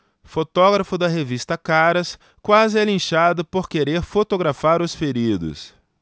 fotógrafo da revista caras quase é linchado por querer fotografar os feridos